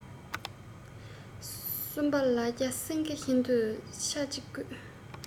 གསུམ པ ལ རྒྱ སེངྒེ བཞིན དུ ཆེ གཅིག དགོས